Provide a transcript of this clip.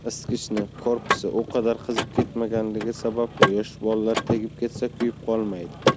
isitgichni korpusi u qadar qizib ketmaganligi sababli yosh bolalar tegib ketsa kuyib qolmaydi